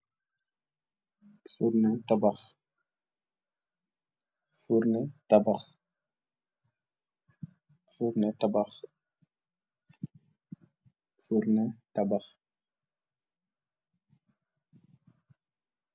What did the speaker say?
Forno tabah, Forno tabah, Forno tabah, Forno tabah.